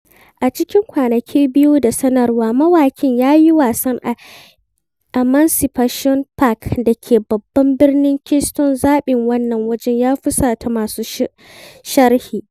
A cikin kwanaki biyu da sanarwa, mawaƙin ya yi wasan a Emancipation Park da ke babban birnin Kingston - zaɓin wannan waje ya fusata masu sharhi.